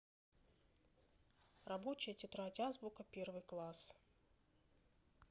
рабочая тетрадь азбука первый класс